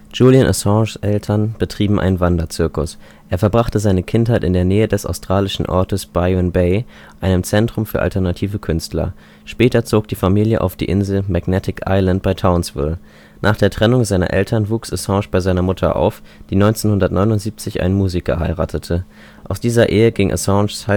Julian Assanges Eltern betrieben einen Wanderzirkus. Er verbrachte seine Kindheit in der Nähe des australischen Ortes Byron Bay, einem Zentrum für alternative Künstler. Später zog die Familie auf die Insel Magnetic Island bei Townsville. Nach der Trennung seiner Eltern wuchs Assange bei seiner Mutter auf, die 1979 einen Musiker heiratete. Aus dieser Ehe ging Assanges